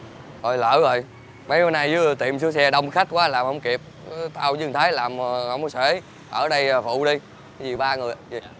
thôi lỡ rồi mấy bữa nay tiệm sửa xe đông khách quá làm không kịp tao với thằng thái làm không có xuể ở đây phụ đi gì ba người